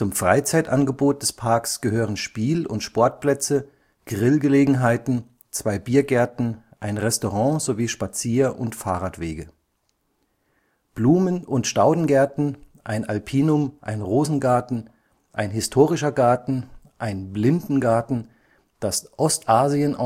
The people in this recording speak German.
Freizeitangebot des Parks gehören Spiel - und Sportplätze, Grillgelegenheiten, zwei Biergärten, ein Restaurant sowie Spazier - und Fahrradwege. Blumen - und Staudengärten, ein Alpinum, ein Rosengarten, ein historischer Garten, ein Blindengarten, das Ostasien-Ensemble